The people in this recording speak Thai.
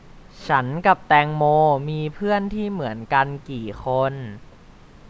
ฉันกับแตงโมมีเพื่อนที่เหมือนกันกี่คน